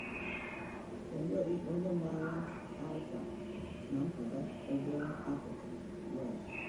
"Ọ nweghị onye maara Alffa na mpụga obere akụkụ Wales.